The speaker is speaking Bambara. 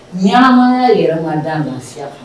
Ɲ yɛrɛ daya